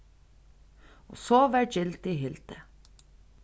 og so varð gildið hildið